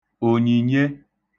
ònyìnye